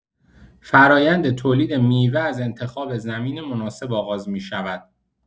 فرایند تولید میوه از انتخاب زمین مناسب آغاز می‌شود.